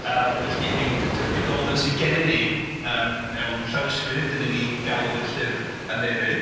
Yym felly hynny yw dydy'r Gododdin sy gennym ni yym mewn llawysgrif, dan ni'n ei galw yn llyfr Aneurin.